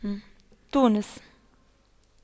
تونس